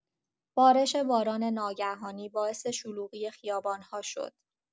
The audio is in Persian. بارش باران ناگهانی باعث شلوغی خیابان‌ها شد.